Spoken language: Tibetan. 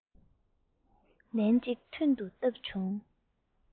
ལན གཅིག མཐུན དུ བཏབ བྱུང